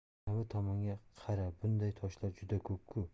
anavi tomonga qara bunday toshlar juda ko'p ku